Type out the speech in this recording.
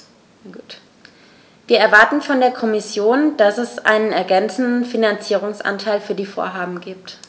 Wir erwarten von der Kommission, dass es einen ergänzenden Finanzierungsanteil für die Vorhaben gibt.